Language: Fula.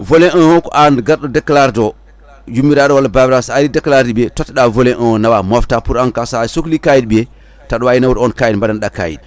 volet 1 o ko an garɗo déclare de o yummiraɗo walla babiraɗo sa ari déclare de ɓiye totteɗa volet 1 o nawa mofta pour en cas sa sohli kayit ɓiye taw aɗa wawi nawde onɗon kayit mbaɗaneɗa kayit